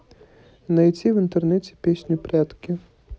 найти в интернете песню прятки